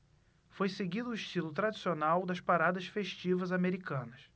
foi seguido o estilo tradicional das paradas festivas americanas